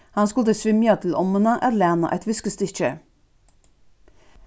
hann skuldi svimja til ommuna at læna eitt viskustykki